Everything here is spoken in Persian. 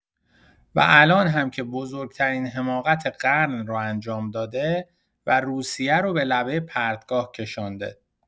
و الان هم که بزرگ‌ترین حماقت قرن رو انجام داده و روسیه رو به لبه پرتگاه کشانده.